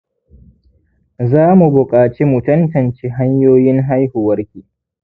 zamu bukaci mu tantance hanyoyin haihuwarki